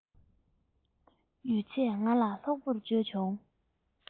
ཡོད ཚད ང ལ ལྷུག པོར བརྗོད བྱུང